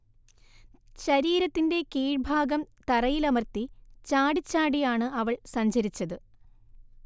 ശരീരത്തിന്റെ കീഴ്ഭാഗം തറയിലമർത്തി ചാടിച്ചാടിയാണ് അവൾ സഞ്ചരിച്ചത്